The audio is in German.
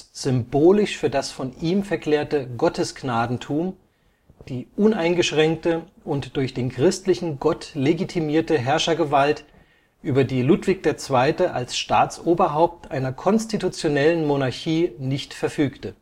symbolisch für das von ihm verklärte Gottesgnadentum, die uneingeschränkte und durch den christlichen Gott legitimierte Herrschergewalt, über die Ludwig II. als Staatsoberhaupt einer Konstitutionellen Monarchie nicht verfügte